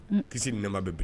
Kisi na bɛ bɛn